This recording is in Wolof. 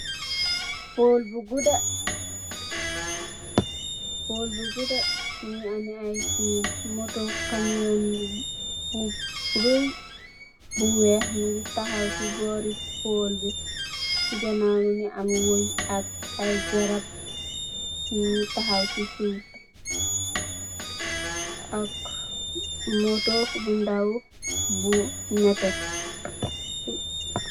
Pol bu gudah, pol bu gudah mungy ameh aiiy fill, motor camion bu reiiy bu wekh mungy takhaw cii bohri pol bi, cii ganaw mungy am weungh ak aiiy garab njungy takhaw cii suff bii, ak motor bu ndaw bu nehteh bu...